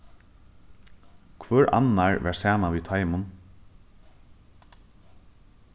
hvør annar var saman við teimum